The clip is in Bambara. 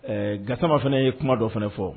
Gasama fana ye kuma dɔ fana fɔ